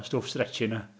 Y stwff stretchy 'na.